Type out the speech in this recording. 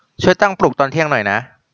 ช่วยตั้งปลุกตอนเที่ยงหน่อยนะ